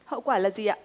hậu quả là gì ạ